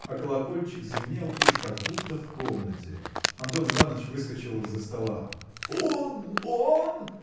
А колокольчик звенел уже как будто в комнате. Антон Иваныч выскочил из-за стола. – Он! он!